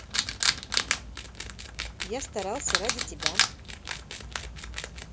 я старался ради тебя